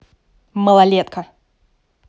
малолетка